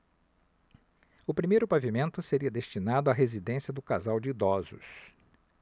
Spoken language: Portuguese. o primeiro pavimento seria destinado à residência do casal de idosos